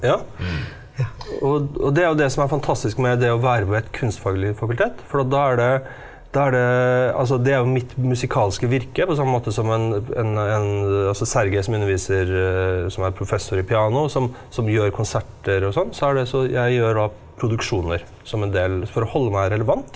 ja, og og det er jo det som er fantastisk med det å være ved et kunstfaglig fakultet, fordi at da er det da er det, altså det er jo mitt musikalske virke på samme måte som en en en altså Sergei som underviser som er professor i piano som som gjør konserter og sånn så er det så jeg gjør da produksjoner som en del for å holde meg relevant.